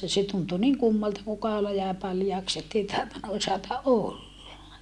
ja se tuntui niin kummalta kun kaula jäi paljaaksi että ei tahtonut osata olla